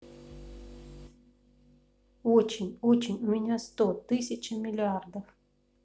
очень очень у меня сто тысяча миллиардов